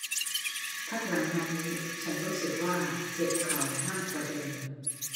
พักหลังมานี้ฉันรู้สึกว่าเจ็บเข่ามากกว่าเดิม